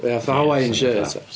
Ie fatha Hawaiian Shirt ia.